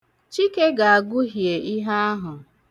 Chike ga-agụhie ihe ahụ.